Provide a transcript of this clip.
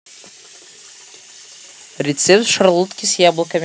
рецепт шарлотки с яблоками